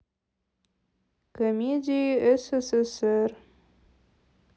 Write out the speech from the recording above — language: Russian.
комедии ссср